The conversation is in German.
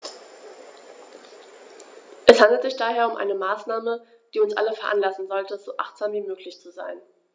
Es handelt sich daher um eine Maßnahme, die uns alle veranlassen sollte, so achtsam wie möglich zu sein.